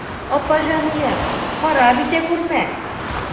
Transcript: Апа җаныем, харап итә күрмә.